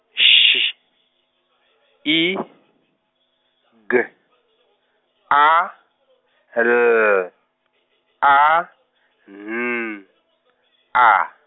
X I G A L A N A.